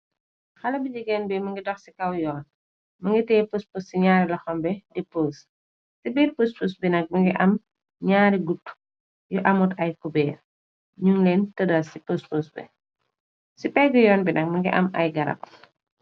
Xale bu jegéen bi mi ngi dox ci kaw yoon më ngi tey pospos ci ñaari loxambi di pos ci biir pospos bi nag mi ngi am ñaari gut yu amut ay kubéer ñun leen tëdal ci pospos bi ci pegg yoon bi nag mingi am ay garab.